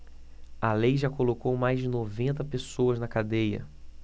a lei já colocou mais de noventa pessoas na cadeia